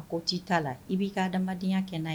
A ko t'i'a la i b'i ka adamadamadenyaya kɛ n'a ye